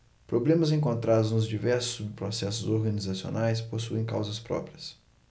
problemas encontrados nos diversos subprocessos organizacionais possuem causas próprias